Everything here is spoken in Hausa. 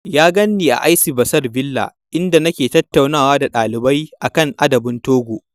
Yau gani a lycée Bassar Ville, inda nake tattaunawa da ɗalibai a kan adabin Togo.